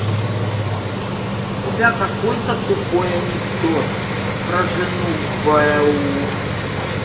у тебя какой то тупой анекдот про жену бу